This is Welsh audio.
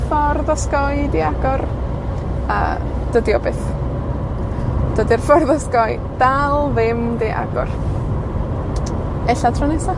ffordd osgoi 'di agor, a dydi o byth. Dydi'r ffordd osgoi dal ddim 'di agor, ella tro nesa.